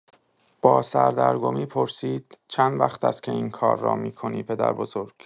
با سردرگمی پرسید: «چند وقت است که این کار را می‌کنی پدربزرگ؟»